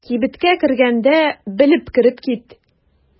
Кибеткә кергәндә белеп кереп кит.